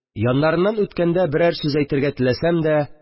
Яннарыннан үткәндә берәр сүз әйтергә теләсәм дә